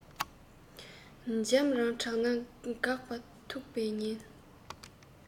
འཇམ རང དྲགས ན འགག པ ཐུག པའི ཉེན